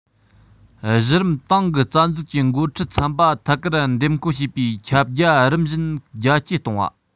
གཞི རིམ ཏང གི རྩ འཛུགས ཀྱི འགོ ཁྲིད ཚན པ ཐད ཀར འདེམས བསྐོ བྱེད པའི ཁྱབ རྒྱ རིམ བཞིན རྒྱ བསྐྱེད གཏོང བ